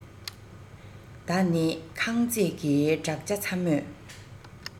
ད ནི ཁང བརྩེགས ཀྱི བྲག ཅ ཚ མོས